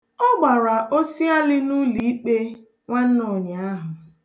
Ọ gbara osialị n'ụlọikpe nwanne ụnyaahụ.